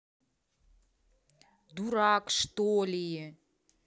дурак штоли